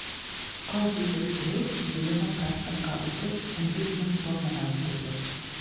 Кош ите җитештерү, 20 процентка үсеп, 14 мең тоннага җитәчәк.